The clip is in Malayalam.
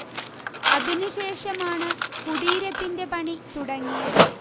അതിനുശേഷമാണ് കുടീരത്തിന്റെ പണി തുടങ്ങിയത്